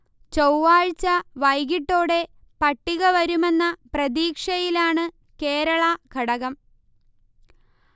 ചൊവ്വാഴ്ച വൈകിട്ടോടെ പട്ടിക വരുമെന്ന പ്രതീക്ഷയിലാണ് കേരള ഘടകം